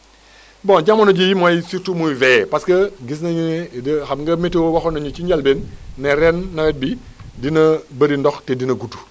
bon jamono jii mooy surtout muy veillé parce que gis nañu ne xam nga météo waxoon na ne ci njëlbéen ne ren nawet bi dina bëri ndox te dina gudd